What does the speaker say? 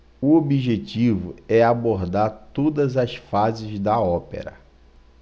o objetivo é abordar todas as fases da ópera